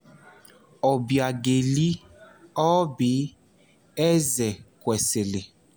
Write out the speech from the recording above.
Obiageli [Oby] Ezekwesili